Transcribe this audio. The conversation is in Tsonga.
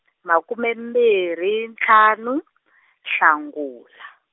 makume mbirhi ntlhanu , Nhlangula.